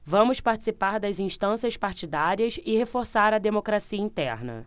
vamos participar das instâncias partidárias e reforçar a democracia interna